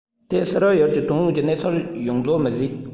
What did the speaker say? དེ ཕྱི རོལ ཡུལ གྱི དོན དངོས ཀྱི གནས ཚུལ ཡོངས རྫོགས མི བྱེད